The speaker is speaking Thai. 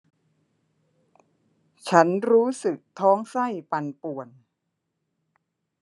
ฉันรู้สึกท้องไส้ปั่นป่วน